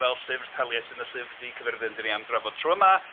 Fel Llyfr Taliesin a Llyfr Du Caerfyrddin dan ni am drafod tro yma